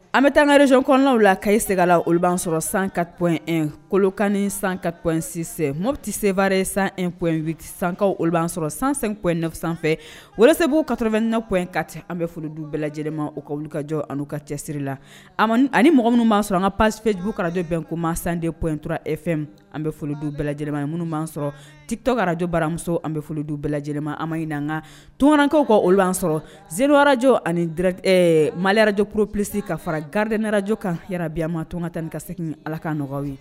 An bɛ taagarey kɔnɔnaw la kae segin la olu'an sɔrɔ san ka in in kɔlɔkani san ka insinsɛ mo tɛ sebaare san in sanka olu'an sɔrɔ san2 inina sanfɛ walasa se b' uu kaoro2ina in katɛ an bɛ foli dun bɛɛ lajɛlenma u ka olu kajɔ ani ka cɛsiri la ani mɔgɔ minnu b'a sɔrɔ an paspfejugukarajɔbɛn koma sandenptura efɛn an bɛ foli du bɛɛ lajɛlenma minnu b'an sɔrɔ titɔkara araj baramuso an bɛ foli dun bɛɛ lajɛlenma ami ɲini na anga tkaw ka oluan sɔrɔ zedu arajo ani mali arajur plisisi ka fara garirdrrajɔ kan yɛrɛbi an ma tɔn ka tan ni ka segingin ala ka nɔgɔya ye